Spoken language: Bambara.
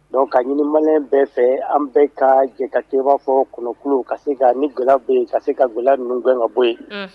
Dɔnku ka ɲinima bɛɛ fɛ an bɛ ka jɛ'a fɔ kɔnɔ ka se ka ni g ga bɔ yen ka se ka g ninnu gɛn ka bɔ yen